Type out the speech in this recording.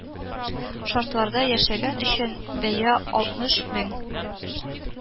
Шартларда яшәгән өчен бәя алтмыш мең